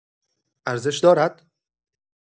ارزش دارد؟